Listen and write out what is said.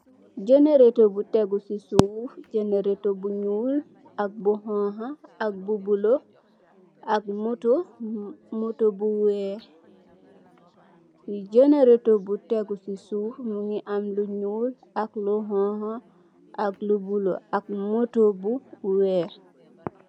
Ganarato bu tegu si soof, ganarato bu nyuul, ak bu hunha ak bu bule, ak moto, moto bu weex, ganarato bu tegu si soof, mingi am lu nyuul, ak lu hunha ak lu bule, ak moto bu weex